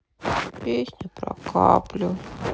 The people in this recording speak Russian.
песня про каплю